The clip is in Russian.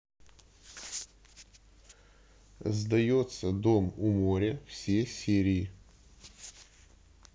сдается дом у моря все серии